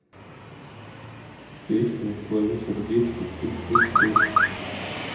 песня твое сердечко тук тук тук